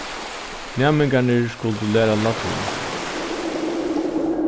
næmingarnir skuldu læra latín